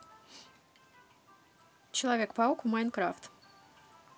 человек паук в майнкрафт